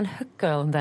Anhygoel, ynde?